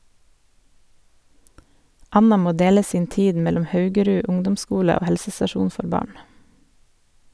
Anna må dele sin tid mellom Haugerud ungdomsskole og helsestasjonen for barn.